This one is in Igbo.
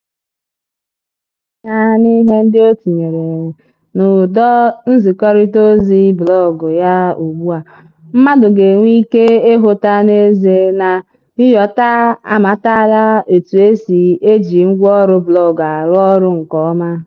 Site n'ileanya n'ihe ndị o tinyere n'ụdọnzikọrịtaozi blọọgụ ya ugbu a, mmadụ ga-enwe ike ịhụta n'ezie na Nyota amatala etu esi e ji ngwaọrụ blọọgụ arụ ọrụ nke ọma.